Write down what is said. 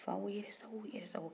fa ko yɛrɛ sago yɛrɛ sago